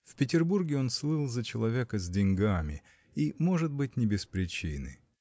В Петербурге он слыл за человека с деньгами и может быть не без причины